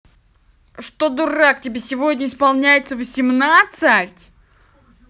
что дурак тебе сегодня исполняется восемнадцать